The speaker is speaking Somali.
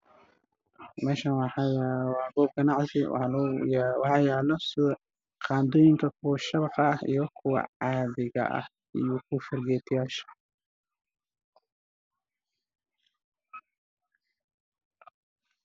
Meeshaan waa goob ganacsi waxaa yaalo qaadooyin ka kuwa shabaqa iyo kuwa caadiga ah iyo kuwa fargeeto yaasha